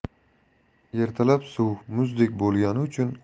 ertalab suv muzdek bo'lgani